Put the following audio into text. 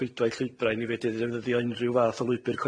rhwydwaith llwybrau i ni fedru defnyddio unrhyw fath o lwybr